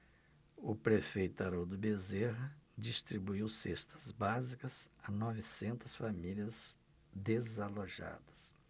o prefeito haroldo bezerra distribuiu cestas básicas a novecentas famílias desalojadas